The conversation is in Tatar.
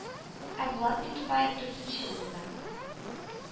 Ә булат миндубаев– дүртенче урында.